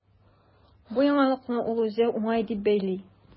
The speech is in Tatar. Бу яңалыкны ул үзе уңай дип бәяли.